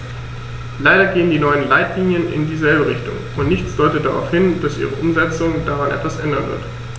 Leider gehen die neuen Leitlinien in dieselbe Richtung, und nichts deutet darauf hin, dass ihre Umsetzung daran etwas ändern wird.